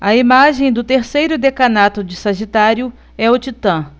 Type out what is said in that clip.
a imagem do terceiro decanato de sagitário é o titã